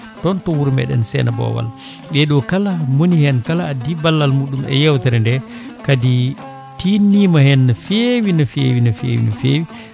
toon to wuuro meɗen Seeno Bowal ɓeeɗo kala moni hen kala addi balla muɗum e yewtere nde kadi tinnima hen no feewi no feewi no feewi no fewi